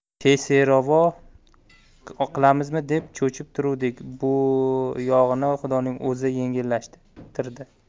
keyserovo qilamizmi deb cho'chib turuvdik bu yog'ini xudoning o'zi yengillashtirdi